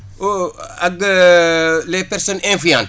au ak les personnes influentes